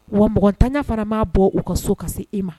Wa mtanɲa fana m' bɔ u ka so ka se e ma